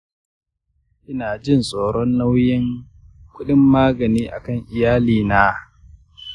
ina jin tsoron nauyin kuɗin magani a kan iyalina.